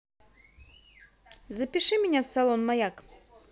запиши меня в салон маяк